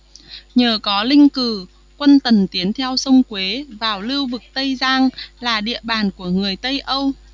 nhờ có linh cừ quân tần tiến theo sông quế vào lưu vực tây giang là địa bàn của người tây âu